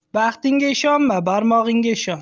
baxtingga ishonma barmog'ingga ishon